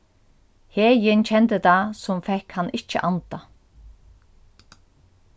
heðin kendi tað sum fekk hann ikki andað